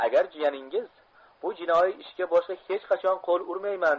agar jiyaningiz bu jinoiy ishga boshqa hech qachon qo'l urmayman